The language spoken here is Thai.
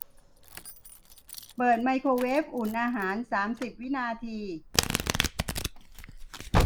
เปิดไมโครเวฟอุ่นอาหารสามสิบวินาที